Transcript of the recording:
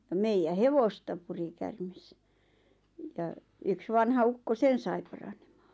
ja meidän hevosta puri käärme ja yksi vanha ukko sen sai paranemaan